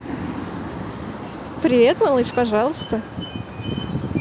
привет малыш пожалуйста